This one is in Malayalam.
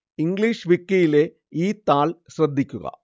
ഇംഗ്ലീഷ് വിക്കിയിലെ ഈ താൾ ശ്രദ്ധിക്കുക